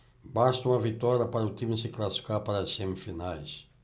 basta uma vitória para o time se classificar para as semifinais